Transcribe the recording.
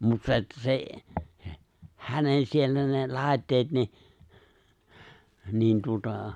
mutta se että se hänen siellä ne laitteet niin niin tuota